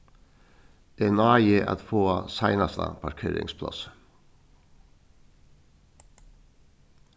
eg nái at fáa seinasta parkeringsplássið